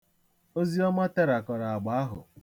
Oziọma terakọrọ agba ahụ.